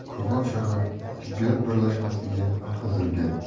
kogon shahar tibbiyot birlashmasiga yotqizilgan